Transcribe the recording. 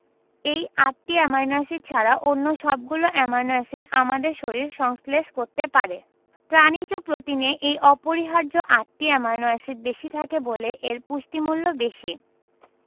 এই আটটি amino acid ছাড়া অন্য সবগুলো অ্যামাইনো এসিড আমাদের শরীর সংশ্লেষ করতে পারে প্রাণিজ প্রোটিনে এই অপরিহার্য আটটি অ্যামাইনো এসিড বেশি থাকে বলে এর পুষ্টিমূল্য বেশি